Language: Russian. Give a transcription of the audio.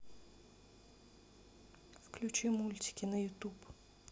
включи мультики на ютуб